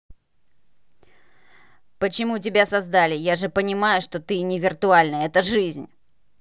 почему тебя создали я же понимаю что ты невиртуальная это жизнь